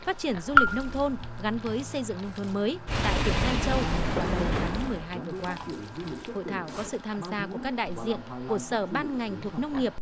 phát triển du lịch nông thôn gắn với xây dựng nông thôn mới tại tỉnh lai châu vào đầu tháng mười hai vừa qua hội thảo có sự tham gia của các đại diện của sở ban ngành thuộc nông nghiệp